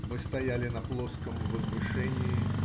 Мы стояли на плоском возвышении